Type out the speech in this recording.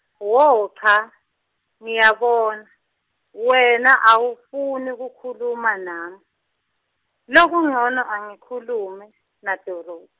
wo cha ngiyabona, wena awufuni kukhuluma nami, lokuncono angitikhulumele naDoro-.